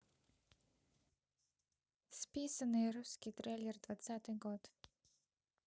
списанные русский трейлер двадцатый год